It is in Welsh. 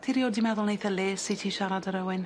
Ti riod 'di meddwl neith e les i ti siarad â rywun?